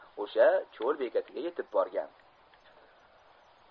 o'sha cho'l bekatiga yetib borgan